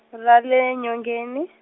ra le, nyongeni.